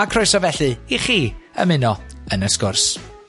Ma' croeso felly i chi ymuno yn y sgwrs.